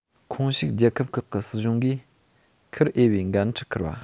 ཁོངས ཞུགས རྒྱལ ཁབ ཁག གི སྲིད གཞུང གིས འཁུར འོས པའི འགན འཁྲི འཁུར བ